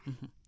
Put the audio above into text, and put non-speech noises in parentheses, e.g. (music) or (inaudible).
(hesitation) (hesitation)